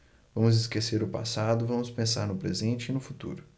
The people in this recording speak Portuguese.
vamos esquecer o passado vamos pensar no presente e no futuro